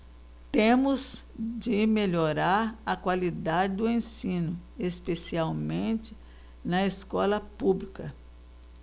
temos de melhorar a qualidade do ensino especialmente na escola pública